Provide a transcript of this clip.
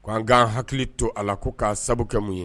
K'an k'an hakili to a la ko k'a sababu kɛ mun ye